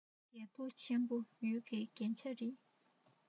རྒྱལ པོ ཆེན པོ ཡུལ གྱི རྒྱན ཆ རེད